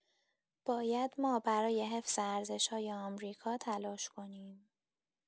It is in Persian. باید ما برای حفظ ارزش‌های آمریکا تلاش کنیم.